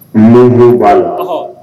b'a la ɔhɔɔ